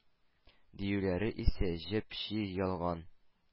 Диюләре исә чеп-чи ялган